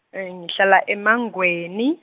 ngihlala eMangweni.